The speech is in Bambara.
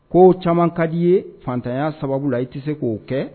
Ko'o caman kadi ye fantanya sababu la i tɛ se k'o kɛ